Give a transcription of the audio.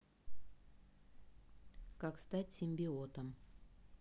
как стать симбиотом